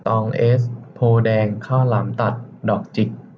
ตองเอซโพธิ์แดงข้าวหลามตัดดอกจิก